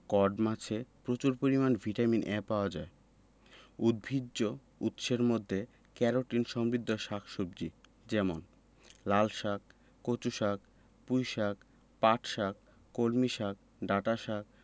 code মাছে প্রচুর পরিমান ভিটামিন A পাওয়া যায় উদ্ভিজ্জ উৎসের মধ্যে ক্যারোটিন সমৃদ্ধ শাক সবজি যেমন লালশাক কচুশাক পুঁইশাক পাটশাক কলমিশাক ডাঁটাশাক